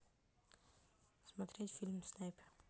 смотреть фильм снайпер